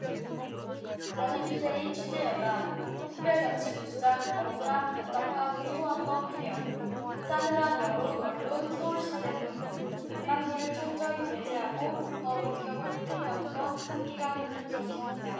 머니투데이 취재여담 특별자치구 주장 억울함 답답함 호소한 것 해명 싸늘한 여론 언론 서울시 때문 강남구를 철저히 배제하고 법인격을 모독하는 건 참기가 고통스럽습니다